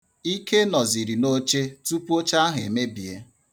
Ike nọziri n'oche tupu oche ahụ emebie.